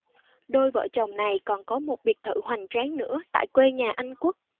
đôi vợ chồng này còn có một biệt thự hoành tráng nữa tại quê nhà anh quốc